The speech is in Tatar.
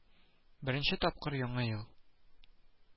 Беренче тапкыр Яңа ел